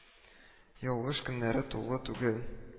Ялгыш, көннәре тулы түгел: